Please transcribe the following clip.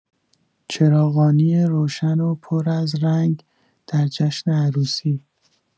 چراغانی روشن و پر از رنگ در جشن عروسی